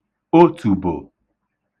otùbò